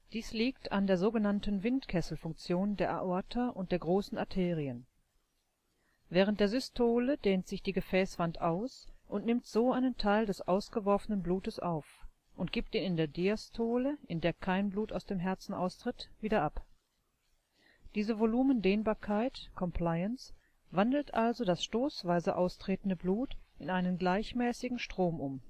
Dies liegt an der sogenannten Windkesselfunktion der Aorta und der großen Arterien. Während der Systole dehnt sich die Gefäßwand aus und nimmt so einen Teil des ausgeworfenen Blutes auf – und gibt ihn in der Diastole, in der kein Blut aus dem Herzen austritt, wieder ab. Diese Volumendehnbarkeit (Compliance) wandelt also das stoßweise austretende Blut in einen gleichmäßigen Strom